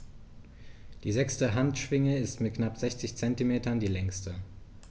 Die sechste Handschwinge ist mit knapp 60 cm die längste.